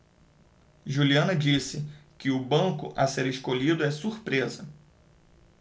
juliana disse que o banco a ser escolhido é surpresa